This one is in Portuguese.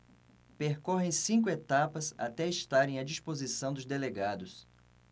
percorrem cinco etapas até estarem à disposição dos delegados